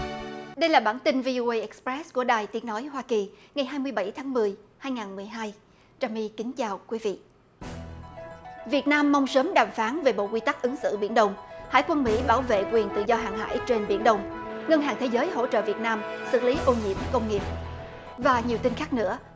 đây là bản tin vi ô ây ịch pét của đài tiếng nói hoa kỳ ngày hai mươi bảy tháng mười hai ngàn mười hai trà my kính chào quý vị việt nam mong sớm đàm phán về bộ quy tắc ứng xử biển đông hải quân mỹ bảo vệ quyền tự do hàng hải trên biển đông ngân hàng thế giới hỗ trợ việt nam xử lý ô nhiễm công nghiệp và nhiều tin khác nữa